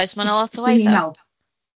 Oes ma' 'na lot o waith.